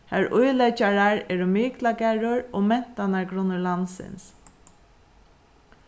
har íleggjarar eru miklagarður og mentanargrunnur landsins